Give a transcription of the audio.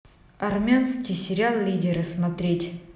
армянский сериал лидеры смотреть